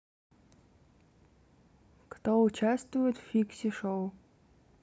кто участвует в фикси шоу